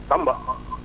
Samba